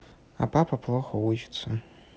а папа плохо учиться